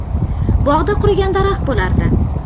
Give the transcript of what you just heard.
bog'da qurigan daraxt bo'lardi